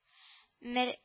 Мәр